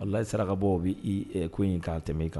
Ala e saraka bɔ bɛ i ko in ka tɛmɛ kan